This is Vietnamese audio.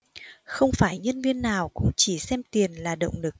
không phải nhân viên nào cũng chỉ xem tiền là động lực